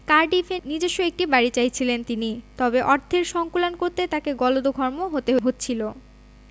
কার্ডিফে নিজস্ব একটি বাড়ি চাইছিলেন তিনি তবে অর্থের সংকুলান করতে তাঁকে গলদঘর্ম হতে হচ্ছিল